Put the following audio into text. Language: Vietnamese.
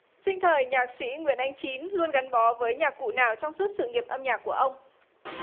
sinh thời nhạc sĩ nguyễn ánh chín luôn gắn bó với nhạc cụ nào trong suốt sự nghiệp âm nhạc của ông